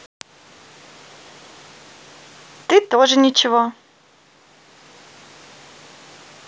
ты тоже ничего